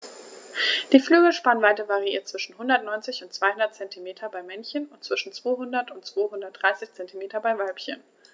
Die Flügelspannweite variiert zwischen 190 und 210 cm beim Männchen und zwischen 200 und 230 cm beim Weibchen.